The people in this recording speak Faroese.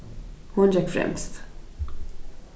hon gekk fremst